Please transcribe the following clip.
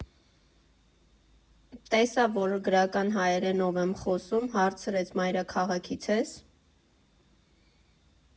Տեսավ, որ գրական հայերենով եմ խոսում, հարցրեց՝ մայրաքաղաքի՞ց ես։